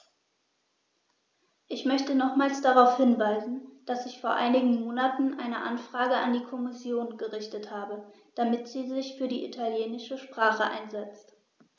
Ich möchte nochmals darauf hinweisen, dass ich vor einigen Monaten eine Anfrage an die Kommission gerichtet habe, damit sie sich für die italienische Sprache einsetzt.